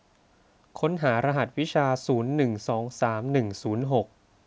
ค้นหารหัสวิชาศูนย์หนึ่งสองสามหนึ่งศูนย์หก